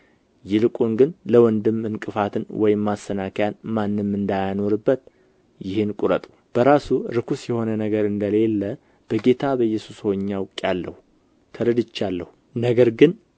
ይልቁን ግን ለወንድም እንቅፋትን ወይም ማሰናከያን ማንም እንዳያኖርበት ይህን ቍረጡ በራሱ ርኵስ የሆነ ነገር እንደ ሌለ በጌታ በኢየሱስ ሆኜ አውቄአለሁ ተረድቼአለሁም ነገር ግን